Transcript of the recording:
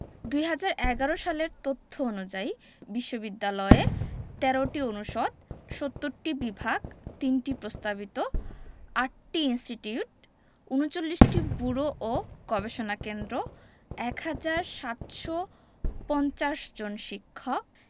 ২০১১ সালের তথ্য অনুযায়ী বিশ্ববিদ্যালয়ে ১৩টি অনুষদ ৭০টি বিভাগ ৩টি প্রস্তাবিত ৮টি ইনস্টিটিউট ৩৯টি ব্যুরো ও গবেষণা কেন্দ্র ১ হাজার ৭৫০ জন শিক্ষক